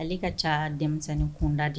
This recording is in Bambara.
Ale ka ca denmisɛnnin kunda de